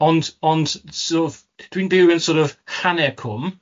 Ond, ond, so- dwi'n byw yn sor' of hanner cwm